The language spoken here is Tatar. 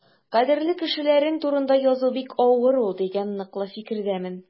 Кадерле кешеләрең турында язу бик авыр ул дигән ныклы фикердәмен.